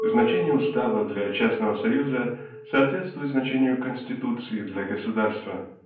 Значение устава для частного союза соответствует значению конституции для государства.